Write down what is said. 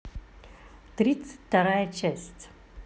тридцать вторая часть